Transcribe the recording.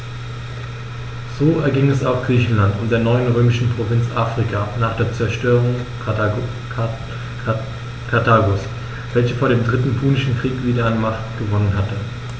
So erging es auch Griechenland und der neuen römischen Provinz Afrika nach der Zerstörung Karthagos, welches vor dem Dritten Punischen Krieg wieder an Macht gewonnen hatte.